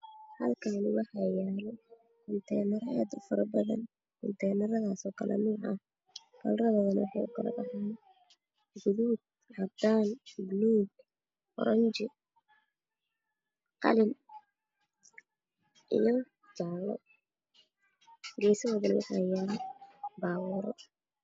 Halkani waxay yaalla quntenaro fara badan oo kaleradiisu aada u fara badan yihiin oo u kala baxaan guduud caddaan jaallo iyo orange